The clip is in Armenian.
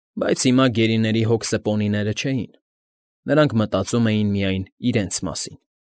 Բայց հիմա գերիների հոգսը պոնիները չէին, նրանք մտածում էին միայն իրենց մասին։